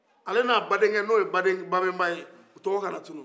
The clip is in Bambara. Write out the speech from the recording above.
ale ni a baden kɛ nin o ye babɛba u tɔgɔ kana tunu